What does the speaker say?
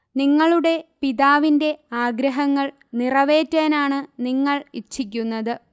നിങ്ങളുടെ പിതാവിന്റെ ആഗ്രഹങ്ങൾ നിറവേറ്റാനാണ് നിങ്ങൾ ഇച്ഛിക്കുന്നത്